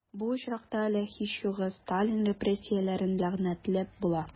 Бу очракта әле, һич югы, Сталин репрессияләрен ләгънәтләп була...